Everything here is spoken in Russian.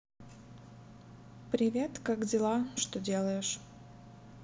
привет как дела что делаешь